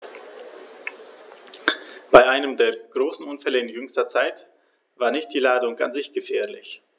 Bei einem der großen Unfälle in jüngster Zeit war nicht die Ladung an sich gefährlich.